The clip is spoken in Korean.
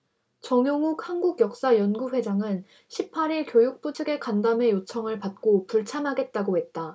정용욱 한국역사연구회장은 십 팔 일 교육부 측의 간담회 요청을 받고 불참하겠다고 했다